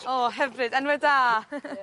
O hyfryd enwe da.